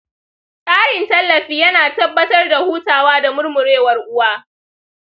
tsarin tallafi yana tabbatar da hutawa da murmurewar uwa.